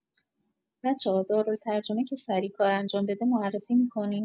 بچه‌ها دارالترجمه‌ای که سریع کار انجام بده معرفی می‌کنین؟